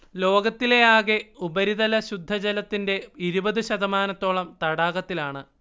ലോകത്തിലെ ആകെ ഉപരിതല ശുദ്ധജലത്തിന്റെ ഇരുപത് ശതമാനത്തോളം തടാകത്തിലാണ്